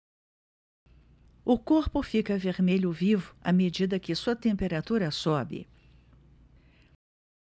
o corpo fica vermelho vivo à medida que sua temperatura sobe